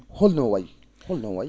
holno ngu wayi holno o ngu wayi